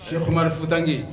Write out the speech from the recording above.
Kuri futa ye